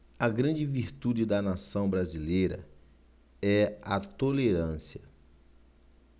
a grande virtude da nação brasileira é a tolerância